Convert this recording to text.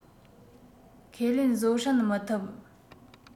ཁས ལེན བཟོད བསྲན མི ཐུབ